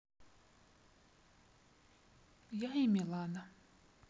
я и милана